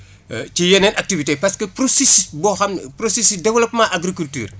ci yeneen activités parce que procéssus boo xam ne processus développement agriculture